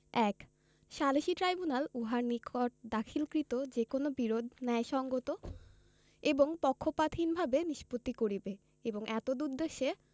১ সালিসী ট্রাইব্যুনাল উহার নিকট দাখিলকৃত যে কোন বিরোধ ন্যায়সংগত এবং পক্ষপাতহীনভাবে নিষ্পত্তি করিবে এবং এতদুদ্দেশ্যে